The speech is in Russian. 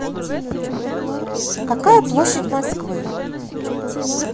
какая площадь москвы